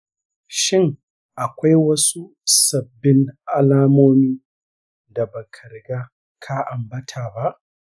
shin akwai wasu sabbin alamomi da ba ka riga ka ambata ba?